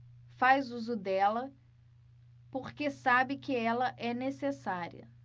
faz uso dela porque sabe que ela é necessária